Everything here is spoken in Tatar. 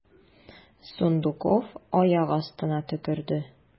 Сундуков аяк астына төкерде.